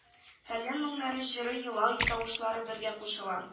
Тальян моңнары җыр елау тавышлары бергә кушыла